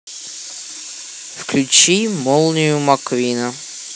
включи молнию маккуина